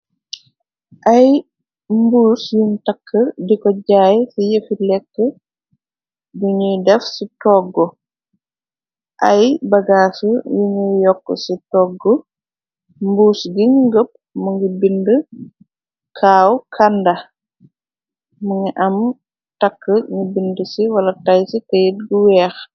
Ay mbuus yun takk di ko jaay ci yefi lekk bunuy def ci togg ay bagaas yunguy yokk ci toggu mbuus ginu ngëpp mu ngi bind kaaw kanda mungi am takk ngi bind ci wala tay ci teyit gu weex.